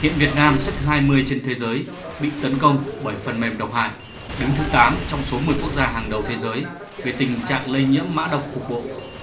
hiện việt nam xếp thứ hai mươi trên thế giới bị tấn công bởi phần mềm độc hại đứng thứ tám trong số mười quốc gia hàng đầu thế giới về tình trạng lây nhiễm mã độc cục bộ